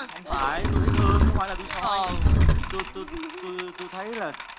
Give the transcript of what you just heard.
không phải tôi thấy thương chứ không phải tôi soi tôi tôi thấy là